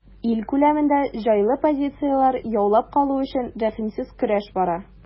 Ил күләмендә җайлы позицияләр яулап калу өчен рәхимсез көрәш бара.